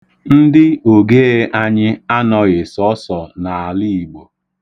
Ndị ogee anyị anọghị sọọsọ n'Aliigbo.